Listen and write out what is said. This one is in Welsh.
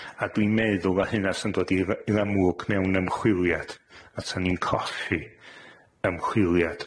A dwi'n meddwl na hynna sa'n dod i'r i'r amlwg mewn ymchwiliad, a 'san ni'n colli ymchwiliad